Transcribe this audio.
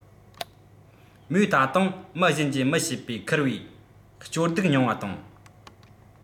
མོས ད དུང མི གཞན གྱིས མི ཤེས པའི འཁུར བའི སྐྱོ སྡུག མྱོང བ དང